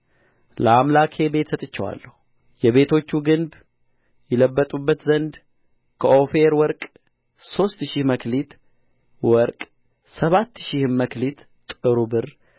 ለአምላኬ ቤት ሰጥቼዋለሁ የቤቶቹ ግንብ ይለበጡበት ዘንድ ከኦፊር ወርቅ ሦስት ሺህ መክሊት ወርቅ ሰባት ሺህም መክሊት ጥሩ ብር